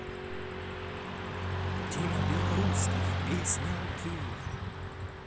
тима белорусских песня окей